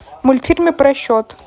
мультфильмы про счет